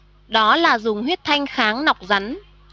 đó là dùng huyết thanh kháng nọc rắn